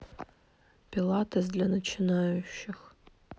пилатес для начинающих